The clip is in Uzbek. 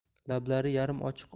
lablari yarim ochiq